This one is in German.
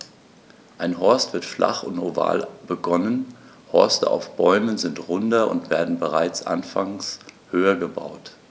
Ein Horst wird flach und oval begonnen, Horste auf Bäumen sind runder und werden bereits anfangs höher gebaut.